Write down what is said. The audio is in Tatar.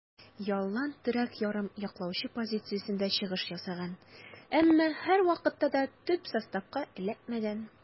Ялланн терәк ярым яклаучы позициясендә чыгыш ясаган, әмма һәрвакытта да төп составка эләкмәгән.